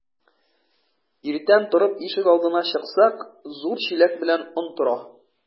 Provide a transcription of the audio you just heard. Иртән торып ишек алдына чыксак, зур чиләк белән он тора.